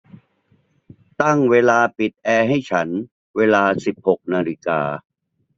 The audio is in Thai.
ตั้งเวลาปิดแอร์ให้ฉันเวลาสิบหกนาฬิกา